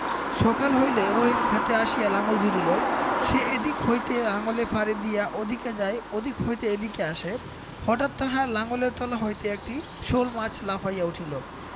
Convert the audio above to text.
সকাল হইলে রহিম ক্ষেতে আসিয়া লাঙল জুড়িল সে এদিক হইতে লাঙলের ফাড়ি দিয়া ওদিকে যায় ওদিক হইতে এদিকে আসে হঠাৎ তাহার লাঙলের তলা হইতে একটি শোলমাছ লাফাইয়া উঠিল